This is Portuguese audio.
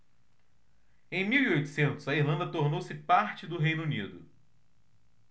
em mil e oitocentos a irlanda tornou-se parte do reino unido